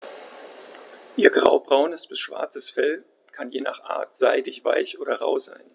Ihr graubraunes bis schwarzes Fell kann je nach Art seidig-weich oder rau sein.